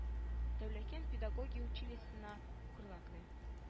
Дәүләкән педагогия училищесына укырга керә